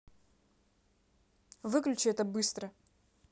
выключи это быстро